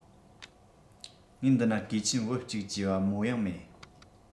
ངའི འདི ན གོས ཆེན བུབས གཅིག བཅས པ མའོ ཡང མེད